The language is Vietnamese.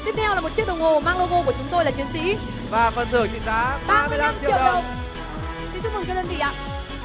tiếp theo là một chiếc đồng hồ mang lô gô của chúng tôi là chiến sĩ và phần thưởng trị giá ba mươi lăm triệu đồng xin chúc mừng cho đơn vị ạ